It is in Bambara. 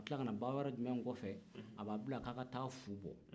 aw tila ka na baara jumɛn kɛ o kɔfɛ a b'aw bila k'aw ka taa fu bɔ